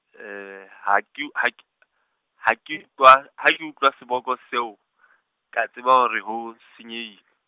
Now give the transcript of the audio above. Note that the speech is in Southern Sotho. ha ke u-, ha k-, ha ke -tlwa, ha ke utlwa seboko seo, ka tseba hore ho, senyehile.